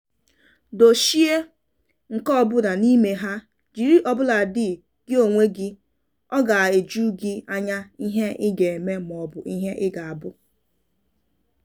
Dochie [nke ọ bụla n'ime ha] jiri ọbụladị gị onwe gị, ọ ga-eju gị anya ihe ị ga-eme maọbụ ihe ị ga-abụ.